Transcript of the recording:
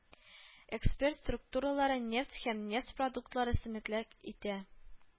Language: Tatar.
Эксперт структурасында нефть һәм нефть продуктлары өстенлек итә